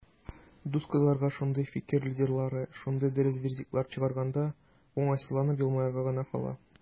Дус кызларга шундый "фикер лидерлары" шундый дөрес вердиктлар чыгарганда, уңайсызланып елмаерга гына кала.